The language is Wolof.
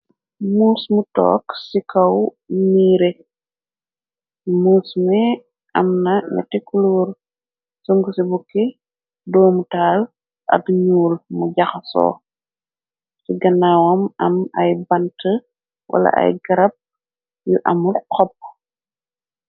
muus mu took ci kaw miire mosme am na netikuluur sung ci bukki doomutaal ak ñuul mu jaxa soo ci ganaawam am ay bant wala ay garab yu amul xopp